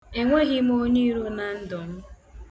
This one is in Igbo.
Enweghị m onyeiro na ndu m.